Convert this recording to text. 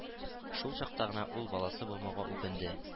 Шул чакта гына ул баласы булмауга үкенде